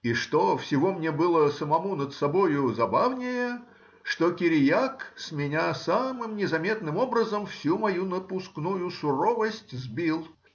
и что всего мне было самому над собою забавнее, что Кириак с меня самым незаметным образом всю мою напускную суровость сбил